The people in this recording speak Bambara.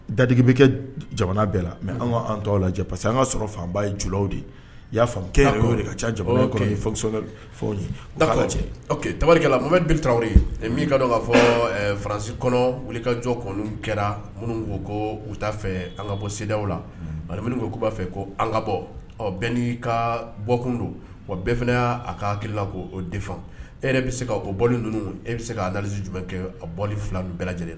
Dadekibekɛ jamana bɛɛ la mɛan tɔw la parce que an ka sɔrɔ fanba ye julaw de y'a ka takɛla bitari min ka kaa fɔ faransi kɔnɔ wuli ka jɔ kɔni kɛra minnu ko ko u fɛ an ka bɔ sendaw la ani minnu ko' b'a fɛ ko ka bɔ bɛn n' ka bɔkun don bɛɛ fana y'a a ka kila ko defa e yɛrɛ bɛ se ka bɔ bɔ ninnu e bɛ se ka'a daalisi jumɛn kɛ a bɔ fila min bɛɛ lajɛlen